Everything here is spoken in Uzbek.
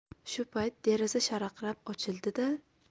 shu payt deraza sharaqlab ochildi da